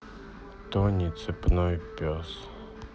тони цепной пес